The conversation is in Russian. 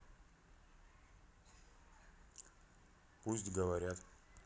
пусть говорят